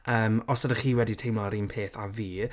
Yym os ydych chi wedi teimlo'r un peth â fi...